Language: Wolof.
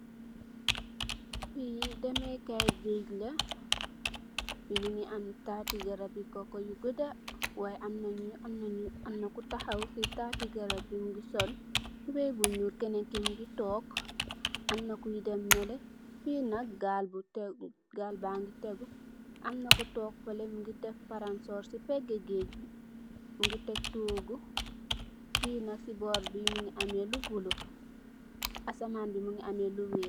Li demekai geygi la fi mugi am tati Koko yu gudu am na ku taxaw ci tati garab bi kenen ki mugi took sol toubey bu njul amna cuye demnale finak gal gagi tegu amna cu def plansor took ci pegu geygigi mugi Tek togu finak mugi am lu bula asaman ba gi am lu wex